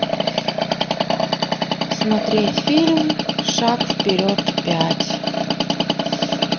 смотреть фильм шаг вперед пять